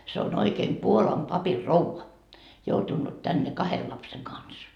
se on oikein Puolan papinrouva joutunut tänne kahden lapsen kanssa